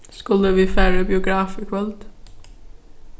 skulu vit fara í biograf í kvøld